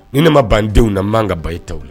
Ne ne ma bandenw na man ka ba taw la